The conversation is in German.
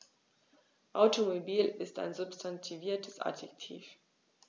Automobil ist ein substantiviertes Adjektiv.